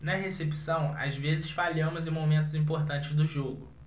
na recepção às vezes falhamos em momentos importantes do jogo